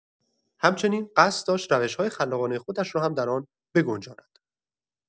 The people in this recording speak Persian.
همچنین قصد داشت روش‌های خلاقانۀ خودش را هم در آن بگنجاند.